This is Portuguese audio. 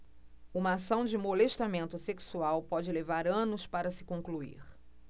uma ação de molestamento sexual pode levar anos para se concluir